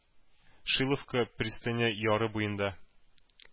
Шиловка пристане яры буенда